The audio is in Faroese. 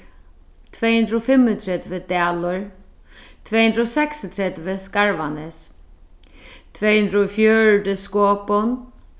tvey hundrað og fimmogtretivu dalur tvey hundrað og seksogtretivu skarvanes tvey hundrað og fjøruti skopun